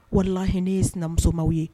Wala h ye sinamusomaw ye